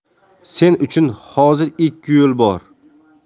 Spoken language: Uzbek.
sen uchun hozir ikki yo'l bor